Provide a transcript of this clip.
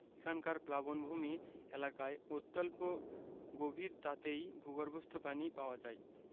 এখানকার প্লাবনভূমি এলাকায় অত্যল্প গভীরতাতেই ভূগর্ভস্থ পানি পাওয়া যায়